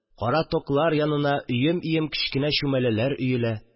Кара токлар янына өем-өем кечкенә чүмәләләр өелә